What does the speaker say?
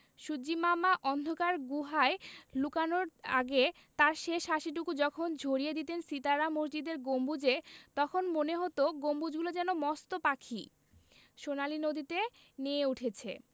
সূর্য্যিমামা অন্ধকার গুহায় লুকানোর আগে তাঁর শেষ হাসিটুকু যখন ঝরিয়ে দিতেন সিতারা মসজিদের গম্বুজে তখন মনে হতো গম্বুজগুলো যেন মস্ত পাখি সোনালি নদীতে নেয়ে উঠেছে